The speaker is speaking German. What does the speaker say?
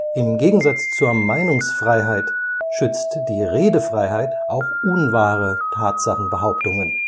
Im Gegensatz zur Meinungsfreiheit schützt die Redefreiheit auch unwahre Tatsachenbehauptungen